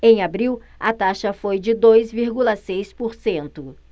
em abril a taxa foi de dois vírgula seis por cento